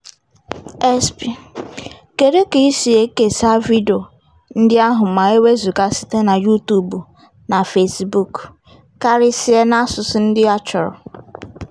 SP: Kedụ ka ị sị ekesa vidiyo ndị ahụ ma e wezụga site na YouTube na Fezbuk, karịsịa n'asụsụ ndị achọrọ?